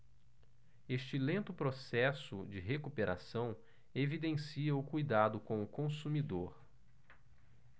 este lento processo de recuperação evidencia o cuidado com o consumidor